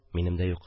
Минем дә юк.